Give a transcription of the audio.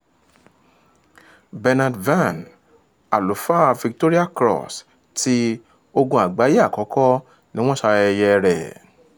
Bernard Vann: Àlùfàá Victoria Cross ti WW1 ní wọ́n ṣayẹyẹ rẹ̀ ṣayẹyẹ rẹ̀